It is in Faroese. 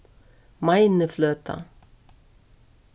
mainifløta